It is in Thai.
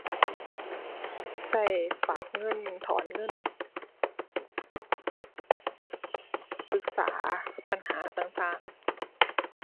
ใช้ฝากเงิน ถอนเงิน ปรึกษาปัญหาต่างต่าง